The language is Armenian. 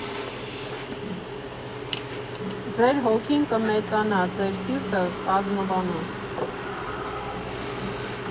Ձեր հոգին կմեծանա, ձեր սիրտը կազնվանա։